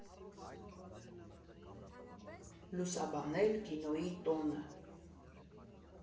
Լուսաբանել կինոյի տոնը։